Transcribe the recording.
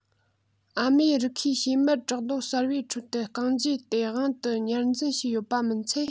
ཨ མེ རི ཁའི བྱེ དམར བྲག རྡོ གསར པའི ཁྲོད དུ རྐང རྗེས སྟེས དབང དུ ཉར འཛིན བྱས ཡོད པ མིན ཚེ